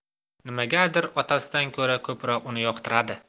nimagadir otasidan ko'ra ko'proq uni yoqtiradi